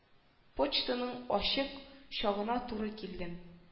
Почтаның ачык чагына туры килдем